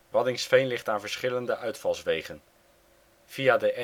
Waddinxveen ligt aan verschillende uitvalswegen. Via de